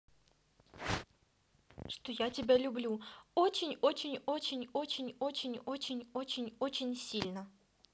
что я тебя люблю очень очень очень очень очень очень очень очень сильно